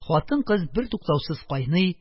Хатын-кыз бертуктаусыз кайный: